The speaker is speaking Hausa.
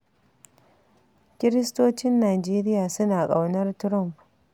Kiristocin Najeriya suna ƙaunar Trumph.